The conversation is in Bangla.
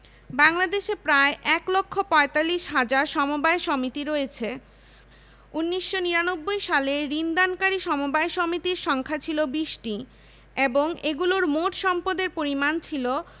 ব্যবস্থাকে নিয়ন্ত্রণ করে থাকে বাংলাদেশে প্রায় এক লক্ষ পয়তাল্লিশ হাজার সমবায় সমিতি রয়েছে ১৯৯৯ সালে ঋণ দানকারী সমবায় সমিতির সংখ্যা ছিল ২০টি এবং এগুলোর মোট সম্পদের পরিমাণ ছিল